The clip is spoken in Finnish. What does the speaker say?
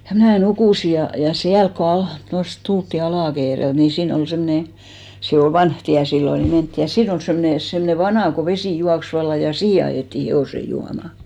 ja minä nukuin ja ja siellä kun - tuosta tultiin Ala-Keereltä niin siinä oli semmoinen se oli vanha tie silloin niin mentiin ja siinä oli semmoinen semmoinen vana kun vesi juoksi vallan ja siihen ajettiin hevoset juomaan